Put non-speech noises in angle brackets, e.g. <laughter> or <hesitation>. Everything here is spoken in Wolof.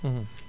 <hesitation> <hesitation>